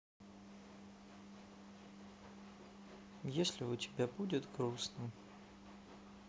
если у тебя будет грустно